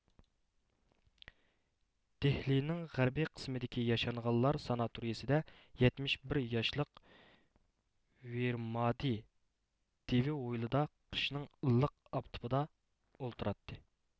دېھلىنىڭ غەربىي قىسمىدىكى ياشانغانلار ساناتورىيىسىدە يەتمىش بىر ياشلىق ۋېرمادى دېۋى ھويلىدا قىشنىڭ ئىللىق ئاپتىپىدا ئولتۇراتتى